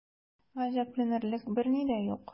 Гаҗәпләнерлек берни дә юк.